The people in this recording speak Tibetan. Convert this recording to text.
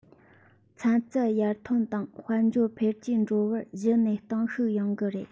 ཚན རྩལ ཡར ཐོན དང དཔལ འབྱོར འཕེལ རྒྱས འགྲོ བར གཞི ནས གཏིང ཤུགས ཡོང གི རེད